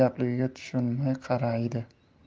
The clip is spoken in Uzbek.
gapligiga tushunmay qaraydi